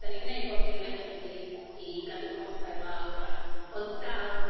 Dan ni'n gwneud pob dim fedrwn ni i gadw costau i lawr a... Ond dal...